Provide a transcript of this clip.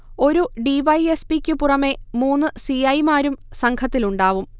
ഒരു D. Y. S. പിക്കു പുറമെ മൂന്ന് സി. ഐ. മാരും സംഘത്തിലുണ്ടാവും